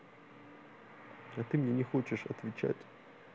а ты мне не хочешь отвечать